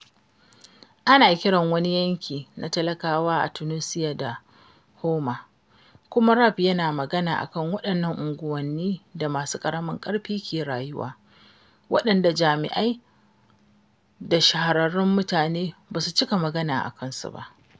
Ana kiran wani yanki na talakawa a Tunisia da Houma… Kuma rap yana magana a kan waɗannan unguwannin da masu ƙaramin ƙarfi ke rayuwa, waɗanda jami’ai da shahararrun mutane ba su cika magana kansu ba.